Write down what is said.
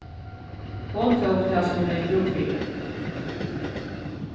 hon tók tað sum hon hevði brúk fyri